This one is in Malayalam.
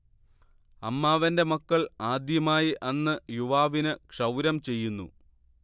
അമ്മാവന്റെ മക്കൾ ആദ്യമായി അന്ന് യുവാവിന് ക്ഷൗരം ചെയ്യുന്നു